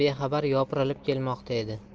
bexabar yopirilib kelmoqda edi